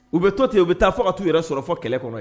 U bɛ to ten yen u bɛ taa fo ka taa'u yɛrɛ sɔrɔ fɔ kɛlɛ kɔnɔ